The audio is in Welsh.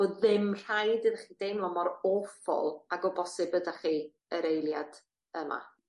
o'dd ddim rhaid iddo chi deimlo mor awful ag o bosib ydach chi yr eiliad yma.